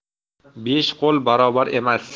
besh qo'l barobar emas